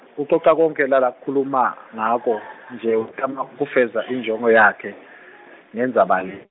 ucoca konkhe lalakhuluma ngako nje wetama kufeza injongo yakhe ngendzaba le-.